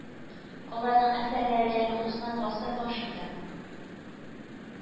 Аларның әсәрләре әле узган гасыр башында